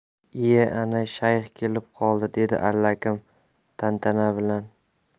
iya ana shayx kelib qoldi dedi allakim tantana bilan